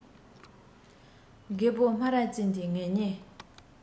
རྒད པོ སྨ ར ཅན ངེད གཉིས